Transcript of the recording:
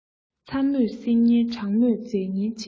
ཚ མོས བསྲེག ཉེན གྲང མོས རྫས ཉེན ཆེ